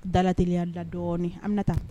Dalaeliya la dɔɔninɔni an bɛ taa